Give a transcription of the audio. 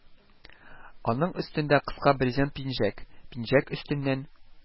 Аның өстендә кыска брезент пинжәк, пинжәк өстеннән